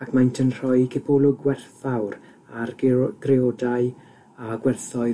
ac maent yn rhoi cipolwg gwerthfawr ar geo- greodau a gwerthoedd